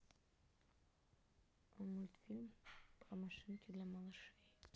мультфильм про машинки для малышей